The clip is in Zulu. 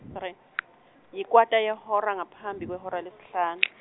yikwata yehora ngaphambi kwehora lesihlanu .